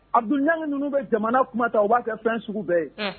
Abudulu Ɲangi ninnu bɛ jamana kuma ta u b'a kɛ fɛn sugu bɛɛ ye, un.